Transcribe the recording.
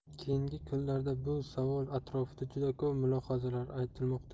keyingi kunlarda bu savol atrofida juda ko'p mulohazalar aytilmoqda